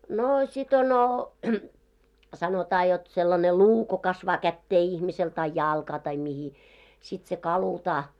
no sitten on sanotaan jotta sellainen luu kun kasvaa käteen ihmiselle tai jalkaan tai mihin sitten se kalutaan